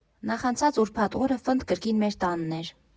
Նախանցած ուրբաթ օրը Ֆ֊ն կրկին մեր տանն էր։